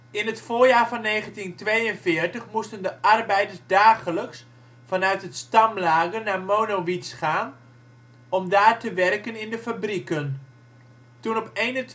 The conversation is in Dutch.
In het voorjaar van 1942 moesten de arbeiders dagelijks vanuit het Stammlager naar Monowitz gaan om daar te werken in de fabrieken. Toen op 21 juli 1942